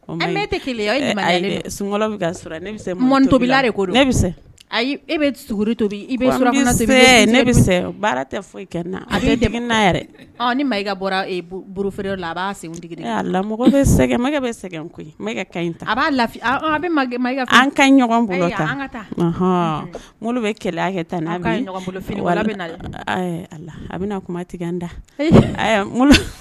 Sunto e to i baara tɛ ni ma i ka bɔrauruforo la a' seginkɛ bɛ sɛgɛn koyi b'a lafi ka ka bɛ tan a bɛna kuma tigɛ da